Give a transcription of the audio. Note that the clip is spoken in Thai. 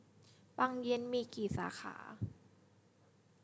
ปังเย็นมีกี่สาขา